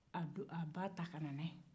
a do a ba ta ka na n'a ye